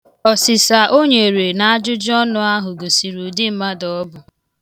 Ọsịsa o nyere n'ajụjụọnụ ahụ gosiri ụdị mmadụ ọ bụ.